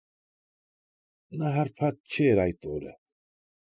Նա հարբած չէր այդ օրը։